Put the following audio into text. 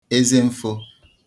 ezemfo